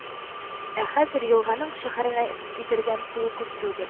Ә хәзер елганың шәһәргә китергән суы күп тү